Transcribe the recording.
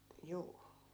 juu